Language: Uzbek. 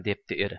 debdi eri